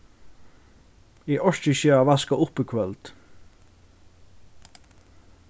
eg orki ikki at vaska upp í kvøld